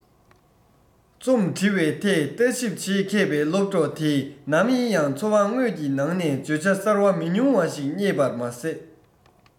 རྩོམ འབྲི བའི ཐད ལྟ ཞིབ བྱེད མཁས པའི སློབ གྲོགས དེས ནམ ཡིན ཡང འཚོ བ དངོས ཀྱི ནང ནས བརྗོད བྱ གསར བ མི ཉུང བ ཞིག ཪྙེད པར མ ཟད